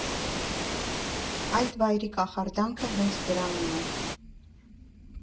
Այդ վայրի կախարդանքը հենց դրանում է.